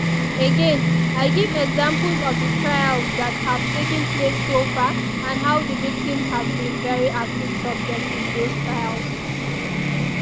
Again, I give examples of the trials that have taken place so far and how the victims have been very active subjects in those trials.